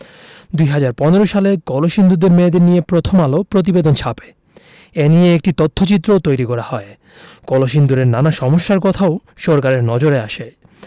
২০১৫ সালে কলসিন্দুরের মেয়েদের নিয়ে প্রথম আলো প্রতিবেদন ছাপে এ নিয়ে একটি তথ্যচিত্রও তৈরি করা হয় কলসিন্দুরের নানা সমস্যার কথাও সরকারের নজরে আসে